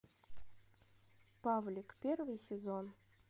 павлик первый сезон